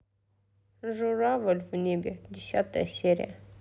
журавль в небе десятая серия